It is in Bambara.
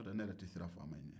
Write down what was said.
n'otɛ ne yɛrɛ tɛ siran faama ɲɛ